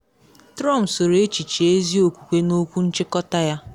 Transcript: Trump soro echiche ezi okwukwe n’okwu nchịkọta ya.